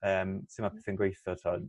yym su' ma' pethe'n gweitho t'od.